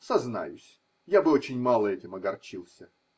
Сознаюсь, я бы очень мало этим огорчился.